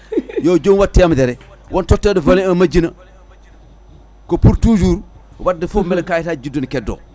yo jomum wat temedere won totteteɗo volet 1 majjina ko pour toujours wadde foof beele kayitaji juddu ne keddo